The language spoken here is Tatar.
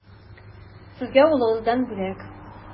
Сезгә улыгыздан бүләк.